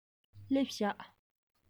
སླེབས བཞག